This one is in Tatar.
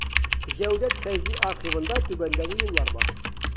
Җәүдәт Фәйзи архивында түбәндәге юллар бар.